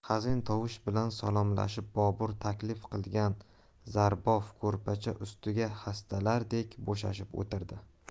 hazin tovush bilan salomlashib bobur taklif qilgan zarbof ko'rpacha ustiga xastalardek bo'shashib o'ltirdi